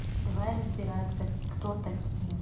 давай разбираться кто такие